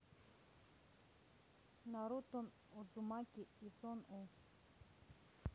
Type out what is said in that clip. наруто удзумаки и сон у